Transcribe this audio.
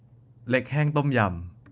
เล็กแห้งต้มยำ